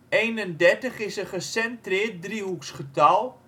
31 is een gecentreerd driehoeksgetal